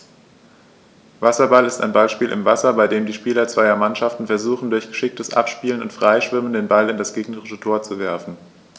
Wasserball ist ein Ballspiel im Wasser, bei dem die Spieler zweier Mannschaften versuchen, durch geschicktes Abspielen und Freischwimmen den Ball in das gegnerische Tor zu werfen.